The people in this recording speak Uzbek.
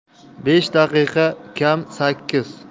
besh daqiqa kam sakkiz